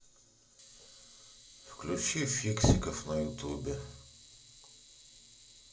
включи фиксиков на ютубе